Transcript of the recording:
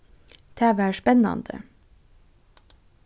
tað var spennandi